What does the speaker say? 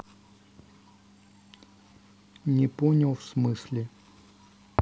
не понял в смысле